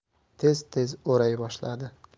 tez tez o'ray boshladi